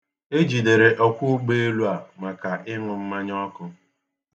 E jidere ọkwọụgbọelu a maka ịnụ mmanya ọkụ.